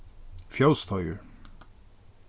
fjósteigur